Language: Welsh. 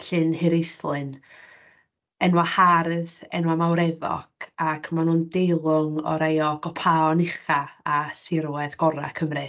Llyn Hiraethlyn. Enwau hardd, enwau mawreddog, ac maen nhw'n deilwng o rai o gopaon uchaf a thirwedd gorau Cymru.